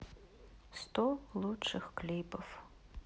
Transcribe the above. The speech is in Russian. сто лучших клипов